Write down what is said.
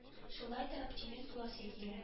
Шулай да оптимист буласы килә